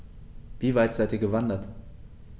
Wie weit seid Ihr gewandert?